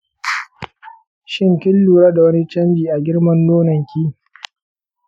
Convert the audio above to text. shin kin lura da wani canji a girman nononki?